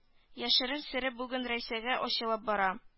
Яшерен сере бүген рәйсәгә ачыла бара